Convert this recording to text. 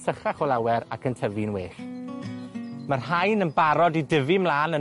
sychach o lawer, ac yn tyfu'n well. Ma' rhain yn barod i dyfu mla'n yn